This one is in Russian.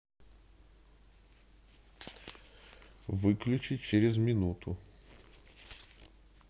выключи через минуту